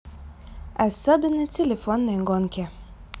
особенно телефонные игры гонки